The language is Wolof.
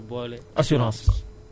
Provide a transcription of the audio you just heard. di wuti crédit pour nga bay